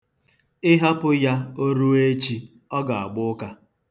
Ị hapụ ya ruo echi, ọ ga-agba ụka.